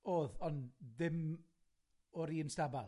O'dd, ond ddim o'r un stabal.